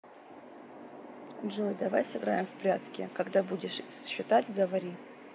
джой давай сыграем в прятки когда будешь считать говори